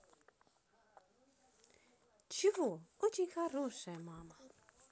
чего очень хорошая мама